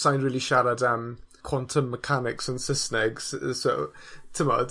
Sai'n rili siarad am quantum mechanics yn Sysneg. S- yy so t'mod?